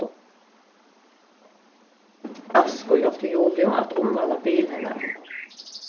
askur hjálpti juliu at umvæla bil hennara